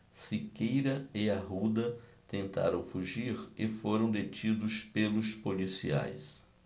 siqueira e arruda tentaram fugir e foram detidos pelos policiais